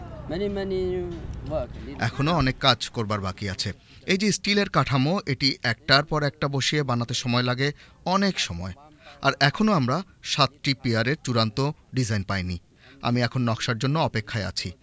many many এখনো অনেক কাজ করবার বাকি আছে এই যে স্টিলের কাঠামো এটি একটার পর একটা বসে বানাতে সময় লাগে এখনো আমরা সাতটি পিলারের চূড়ান্ত ডিজাইন পাইনি আমি এখন নকশার জন্য অপেক্ষায় আছি